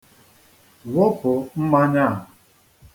Wụpụ mmanya a.